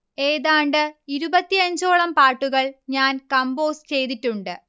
ഏതാണ്ട് ഇരുപത്തിയഞ്ചോളം പാട്ടുകൾ ഞാൻ കമ്പോസ് ചെയ്തിട്ടുണ്ട്